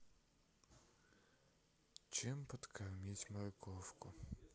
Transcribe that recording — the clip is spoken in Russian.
чем подкормить морковку